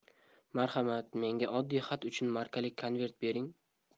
marhamat menga oddiy xat uchun markali convert bering